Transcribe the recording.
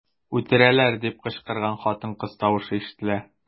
"үтерәләр” дип кычкырган хатын-кыз тавышы ишетелә.